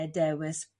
e dewis